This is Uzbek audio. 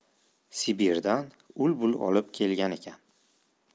sibirdan ul bul olib kelgan ekan